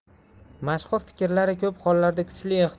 mashhur fikrlari ko'p hollarda kuchli